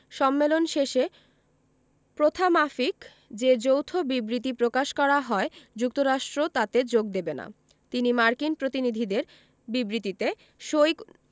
সম্মেলন শেষে প্রথামাফিক যে যৌথ বিবৃতি প্রকাশ করা হয় যুক্তরাষ্ট্র তাতে যোগ দেবে না তিনি মার্কিন প্রতিনিধিদের বিবৃতিতে সই